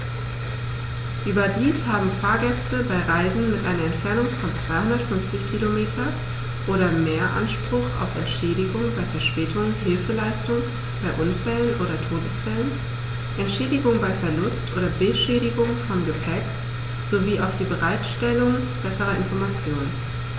Überdies haben Fahrgäste bei Reisen mit einer Entfernung von 250 km oder mehr Anspruch auf Entschädigung bei Verspätungen, Hilfeleistung bei Unfällen oder Todesfällen, Entschädigung bei Verlust oder Beschädigung von Gepäck, sowie auf die Bereitstellung besserer Informationen.